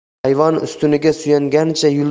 ayvon ustuniga suyanganicha